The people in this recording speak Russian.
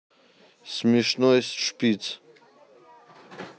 смешной шпиц